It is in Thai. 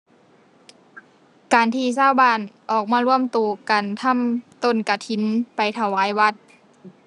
การที่ชาวบ้านออกมารวมตัวกันทำต้นกฐินไปถวายวัด